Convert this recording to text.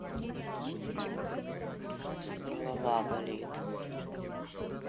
голова болит